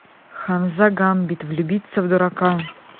ханза гамбит влюбиться в дурака